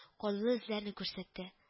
Канлы эзләрне күрсәтте